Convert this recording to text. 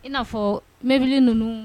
I n'a fɔ mbili ninnu